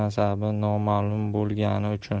nasabi noma'lum bo'lgani uchun